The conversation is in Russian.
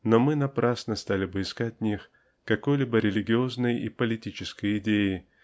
но мы напрасно стали бы искать в них какой-либо религиозной и политической идеи